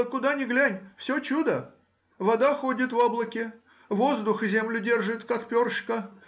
Куда ни глянь — все чудо: вода ходит в облаке, воздух землю держит, как перышко